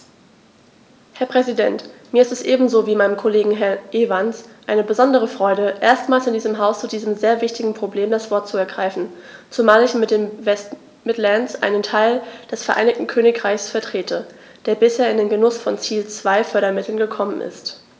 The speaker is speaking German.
Herr Präsident, mir ist es ebenso wie meinem Kollegen Herrn Evans eine besondere Freude, erstmals in diesem Haus zu diesem sehr wichtigen Problem das Wort zu ergreifen, zumal ich mit den West Midlands einen Teil des Vereinigten Königreichs vertrete, der bisher in den Genuß von Ziel-2-Fördermitteln gekommen ist.